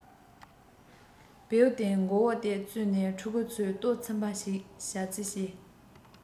བེའུ དེའི མགོ བོ དེ བཙོས ནས ཕྲུ གུ ཚོའི ལྟོགས ཚིམས པ ཞིག བྱ རྩིས བྱས